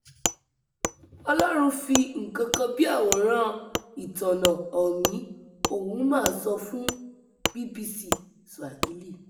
"Ọlọ́run fi nǹkankan bí àwòrán-ìtọ́nà hàn mí", Ouma sọ fún BBC Swahili.